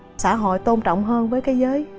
xã hội tôn trọng hơn với cái giới